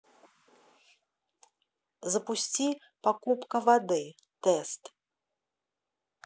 запусти покупка воды тест